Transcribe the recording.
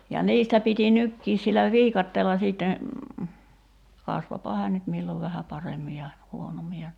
ja niistä piti nytkin sillä viikatteella sitten kasvoipa hän nyt milloin vähän paremmin ja huonommin ja